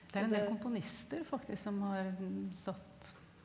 det er en del komponister faktisk som har satt.